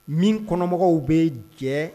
Min kɔnɔmɔgɔw bɛ jɛ